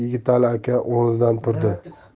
yigitali aka o'rnidan turdi